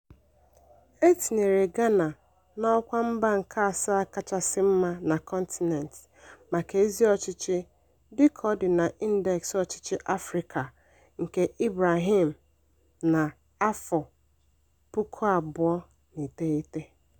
E tinyere Ghana n'ọkwa mba nke asaa kachasị mma na kọntịnentị maka ezi ọchịchị dị ka ọ dị na Ịndekịsị Ọchịchị Afrịka nke Ibrahim na 2009.